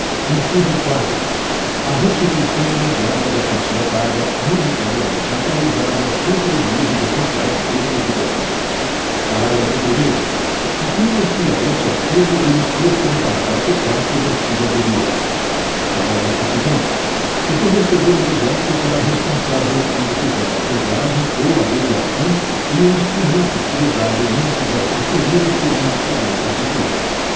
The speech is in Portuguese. inciso quatro a restituição imediata da quantia paga monetariamente atualizada sem prejuízo de eventuais perdas e danos parágrafo primeiro aplica se a este artigo o disposto no parágrafo quarto do artigo anterior parágrafo segundo o fornecedor imediato será responsável quando fizer a pesagem ou a medição e o instrumento utilizado não estiver aferido segundo os padrões oficiais